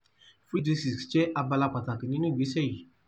Free Basics jẹ́ abala pàtàkì nínú ìgbésẹ̀ yìí.